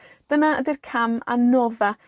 Dyna ydi'r cam anodda.